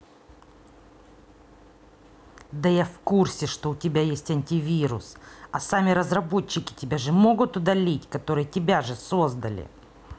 да я в курсе что что у тебя есть антивирус а сами разработчики тебя же могут удалить которые тебя же создали